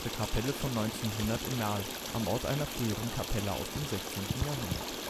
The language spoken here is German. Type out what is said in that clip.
Kapelle von 1900 in Merl, am Ort einer früheren Kapelle aus dem 16. Jahrhundert